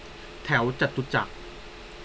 แถวจตุจักร